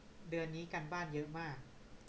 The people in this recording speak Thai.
เดือนนี้การบ้านเยอะมาก